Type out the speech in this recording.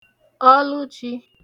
ọlụchi